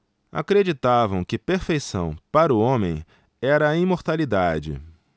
acreditavam que perfeição para o homem era a imortalidade